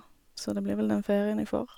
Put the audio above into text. Så det blir vel den ferien jeg får.